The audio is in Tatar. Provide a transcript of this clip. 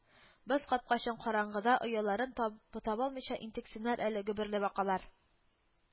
Без капкачың – караңгыда ояларын таб табалмыйча интексеннәр әле гөберле бакалар